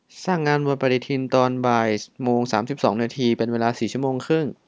สร้างงานบนปฎิทินตอนบ่ายโมงสามสิบสองนาทีเป็นเวลาสี่ชั่วโมงครึ่ง